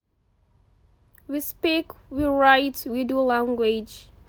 We speak, we write, we do language.